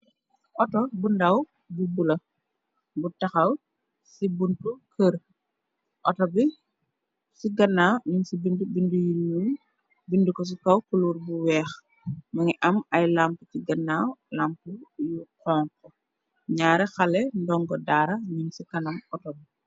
Outo bundaaw bu bula, bu taxaw ci buntu kër. Outo bi ci gannaaw nun ci bind bindu yu ñuul. Bindu ko ci kaw kuluur bu weex. Mungi am ay lamp ci gannaaw lamp yu xonxo, nyarri xale ndongo daara nin ci kanam outo bi.